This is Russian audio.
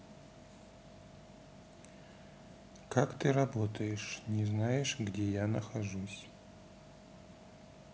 как ты работаешь не знаешь где я нахожусь